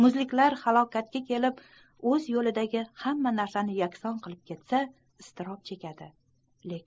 muzliklar harakatga kelib o'z yo'lidagi hamma narsani yakson qilib ketsa iztirob chekadi